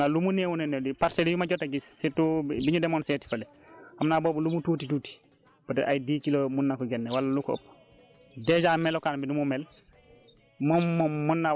alors parcelles yii nii yi jota normal rek xam naa lu mu néew néew li parcelles yi ma jot a gis surtout bi ñu demoon seeti fële xam naa boobu lu mu tuuti tuuti peut fra être ay dix kilos mun na ko génne wala lu ko ëpp